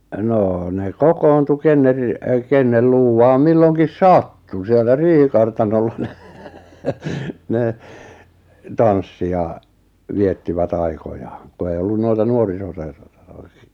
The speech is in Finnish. no ne kokoontui kenen - kenen luuvaan milloinkin sattui siellä riihikartanolla no ne tanssi ja viettivät aikojaan kun ei ollut noita ---